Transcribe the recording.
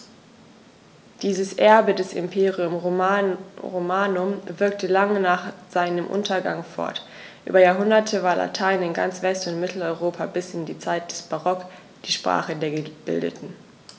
Dieses Erbe des Imperium Romanum wirkte lange nach seinem Untergang fort: Über Jahrhunderte war Latein in ganz West- und Mitteleuropa bis in die Zeit des Barock die Sprache der Gebildeten.